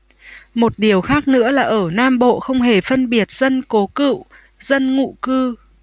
một điều khác nữa là ở nam bộ không hề phân biệt dân cố cựu dân ngụ cư